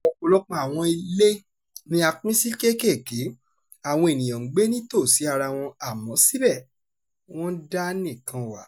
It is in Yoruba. Ọ̀pọ̀lọpọ̀ àwọn ilé ni a pín sí kéékèèké. Àwọn ènìyàn ń gbé ní tòsí ara wọn, àmọ́ síbẹ̀, wọ́n dá níkan wà